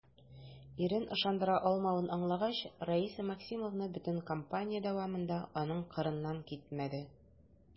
Ирен ышандыра алмавын аңлагач, Раиса Максимовна бөтен кампания дәвамында аның кырыннан китмәде.